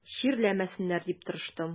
Чирләмәсеннәр дип тырыштым.